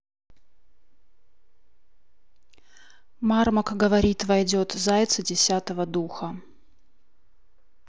мармок говорит войдет зайцы десятого духа